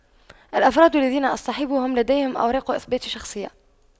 الأفراد الذين اصطحبهم لديهم أوراق اثبات شخصية